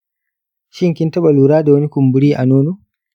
shin kin taɓa lura da wani ƙumburi a nono?